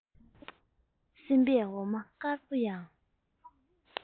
སེམས པས འོ མ དཀར པོ ཡང